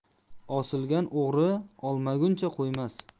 osilgan o'g'ri olmaguncha qo'ymas